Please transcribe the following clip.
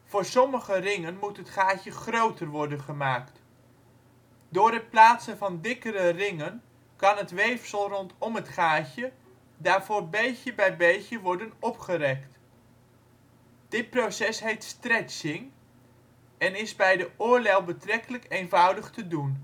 Voor sommige ringen moet het gaatje groter worden gemaakt. Door het plaatsen van dikkere dingen kan het weefsel rondom het gaatje daarvoor beetje bij beetje worden opgerekt. Dit proces heet stretching en is bij de oorlel betrekkelijk eenvoudig te doen